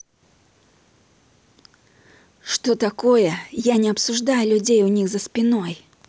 что такое я не обсуждаю людей у них за спиной